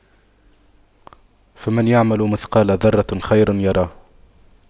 فَمَن يَعمَل مِثقَالَ ذَرَّةٍ خَيرًا يَرَهُ